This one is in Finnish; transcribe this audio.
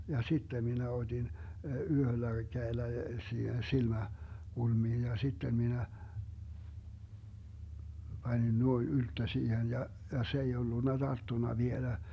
ja sitten minä otin yhdellä kädellä siihen - silmäkulmiin ja sitten minä panin noin ylttö siihen ja ja se ei ollut tarttunut vielä